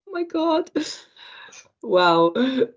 Oh my god! Waw.